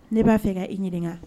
Ne b'a fɛ ka i ɲini